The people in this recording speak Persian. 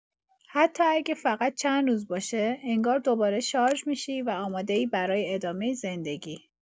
حتی اگه فقط چند روز باشه، انگار دوباره شارژ می‌شی و آماده‌ای برای ادامه زندگی.